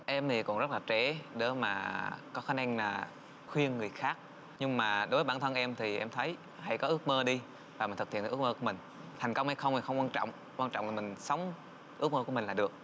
em thì còn rất là trẻ để mà có khả năng là khuyên người khác nhưng mà đối với bản thân em thì em thấy hãy có ước mơ đi và mình thực hiện ước mơ của mình thành công hay không thì không quan trọng quan trọng là mình sống ước mơ của mình là được